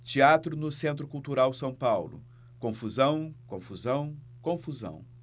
teatro no centro cultural são paulo confusão confusão confusão